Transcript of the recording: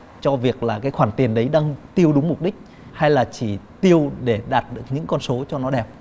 cho việc là cái khoản tiền đấy đang tiêu đúng mục đích hay là chỉ tiêu để đạt được những con số cho nó đẹp